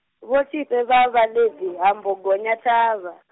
Vho Tshifhe vha Vhaḽevi ha mbo gonya ṱhavha.